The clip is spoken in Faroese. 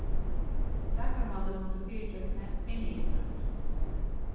sakarmálið móti fyritøkuni er niðurlagt